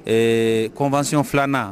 Ee convention 2 nan